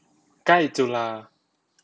ใกล้จุฬา